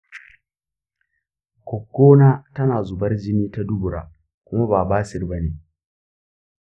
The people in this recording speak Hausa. goggo na tana zubar jini ta dubura kuma ba basir ba ne.